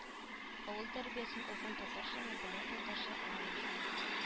Авыл тәрбиясен алган татарчаны белә татарча аралаша